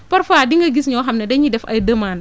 parfois dinga gis énoo xam ne dañuy def ay demandes